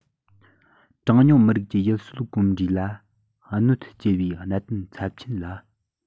གྲངས ཉུང མི རིགས ཀྱི ཡུལ སྲོལ གོམས འདྲིས ལ གནོད སྐྱེལ བའི གནད དོན ཚབས ཆེན ལ